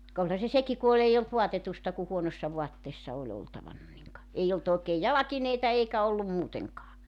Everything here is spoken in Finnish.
ka olihan se sekin kun oli ei ollut vaatetusta kun huonossa vaatteessa oli oltavana niin ka ei ollut oikein jalkineita eikä ollut muutenkaan